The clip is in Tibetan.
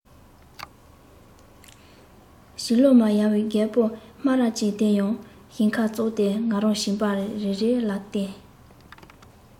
བྱིས བློ མ ཡལ བའི རྒད པོ སྨ ར ཅན དེ ཡང ཞིང ཁར ཙོག སྟེ ང རང བྱིས པ རེ རེ ལ བསྟན